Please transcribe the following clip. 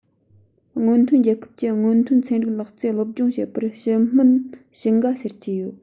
སྔོན ཐོན རྒྱལ ཁབ ཀྱི སྔོན ཐོན ཚན རིག ལག རྩལ སློབ སྦྱོང བྱེད པར ཕྱི སྨོན ཕྱི དགའ ཟེར གྱི ཡོད